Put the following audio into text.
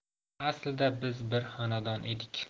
aslida biz bir xonadon edik